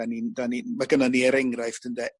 'dan ni'n 'dan ni ma' gynnon ni er enghraifft ynde